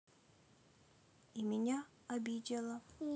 и меня обидела